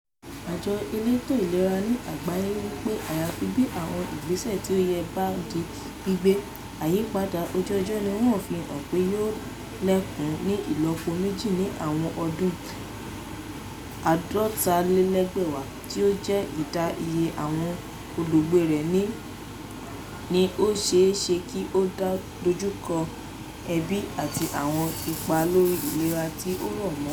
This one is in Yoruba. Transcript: Àjọ elétò ìlera ní àgbáyé (WHO) wí pé àyàfi bí àwọn ìgbésẹ̀ tí ó yẹ bá di gbígbé, àyípadà ojú ọjọ́ ni wọn ti fi hàn pé yóò lékún ní ìlọ́po méjì ní àwọn ọdún 2050 tí ó jẹ́ ìdá iye àwọn olùgbé rẹ̀ ni ó ṣeé ṣe kí ó dojú kọ ebi àti àwọn ipa lórí ìlera tí ó rọ̀ mọ.